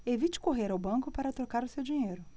evite correr ao banco para trocar o seu dinheiro